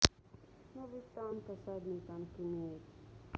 новый танк осадный танк имеет